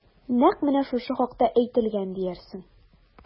Нәкъ менә шушы хакта әйтелгән диярсең...